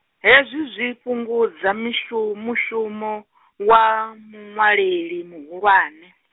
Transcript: hezwi zwi fhungudza mishu-, mushumo wa, muṅwaleli muhulwane.